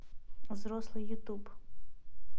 взрослый ютуб